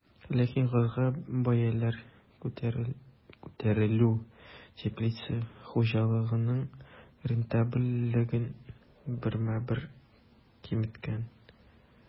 Ләкин газга бәяләр күтәрелү теплица хуҗалыгының рентабельлеген бермә-бер киметкән.